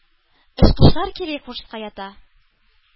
Очкычлар кире курска ята.